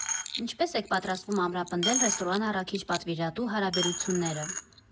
Ինչպե՞ս եք պատրաստվում ամրապնդել ռեստորան֊առաքիչ֊պատվիրատու հարաբերությունները։